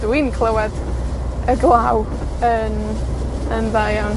dwi'n clywad y glaw yn, yn dda iawn.